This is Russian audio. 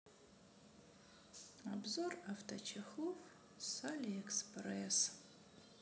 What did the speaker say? обзор авточехлов с алиэкспресс